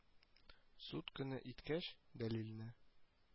Суд көне иткәч, дәлилне